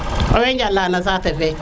owey njala no sàte fe